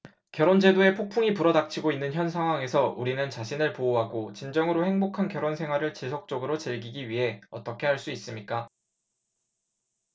결혼 제도에 폭풍이 불어 닥치고 있는 현 상황에서 우리는 자신을 보호하고 진정으로 행복한 결혼 생활을 지속적으로 즐기기 위해 어떻게 할 수 있습니까